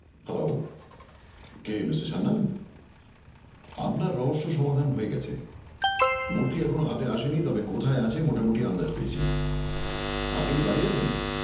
hello কে mister Sanyal আপনার রহস্য সমাধান হয়ে গেছে মূর্তি এখনও হাতে আসেনি তবে কোথায় আছে মোটামুটি আন্দাজ পেয়েছি আপনি কি বাড়ি আছেন